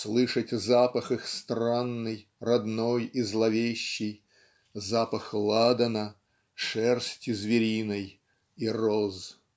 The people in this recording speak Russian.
Слышать запах их странный родной и зловещий Запах ладана шерсти звериной и роз.